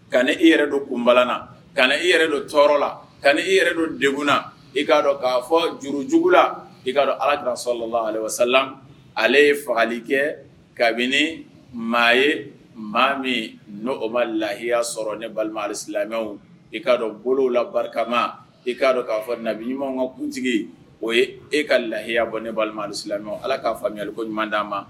Ka i yɛrɛ don kunbala ka i yɛrɛ don tɔɔrɔ la ka i yɛrɛ don degkunna i'a dɔn k'a fɔ jurujugu la i k kaa dɔn ala ka sɔrɔla ayiwa sa ale ye fagali kɛ kabini maa ye maa min n' o ma lahiya sɔrɔ ne balima ali silamɛlaw e k'a dɔn bolo la barikama e k'a dɔn k'a fɔ nabi ɲuman ka kuntigi o ye e ka lahiyiya bɔ ne balima ali silamɛla ala k'a faamuyali ko ɲuman d dia ma